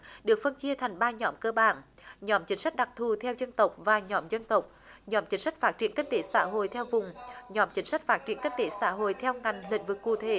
được phân chia thành ba nhóm cơ bản nhóm chính sách đặc thù theo dân tộc và nhóm dân tộc nhóm chính sách phát triển kinh tế xã hội theo vùng nhóm chính sách phát triển kinh tế xã hội theo ngành lĩnh vực cụ thể